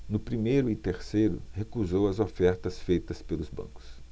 no primeiro e terceiro recusou as ofertas feitas pelos bancos